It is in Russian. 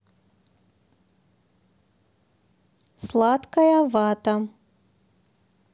сладкая вата